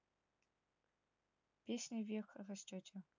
песня вверх растете